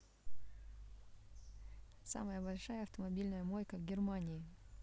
самая большая автомобильная мойка в германии